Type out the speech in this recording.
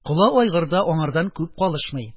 Кола айгыр да аңардан күп калышмый.